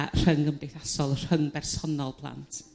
a rhyng gymdeithasol rhyng bersonol plant.